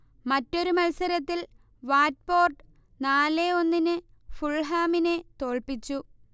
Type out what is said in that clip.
മറ്റൊരു മത്സരത്തിൽ വാറ്റ്പോർഡ് നാലേ ഒന്നിന് ഫുൾഹാമിനെ തോൽപ്പിച്ചു